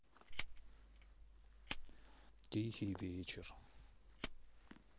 тихий вечер